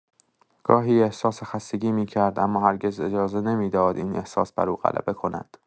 گاهی احساس خستگی می‌کرد، اما هرگز اجازه نمی‌داد این احساس بر او غلبه کند.